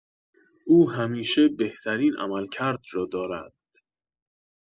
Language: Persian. او همیشه بهترین عملکرد را دارد.